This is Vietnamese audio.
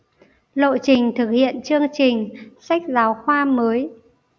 lộ trình thực hiện chương trình sách giáo khoa mới